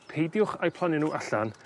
peidiwch a'u plannu n'w allan